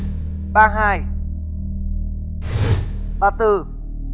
ba hai ba tư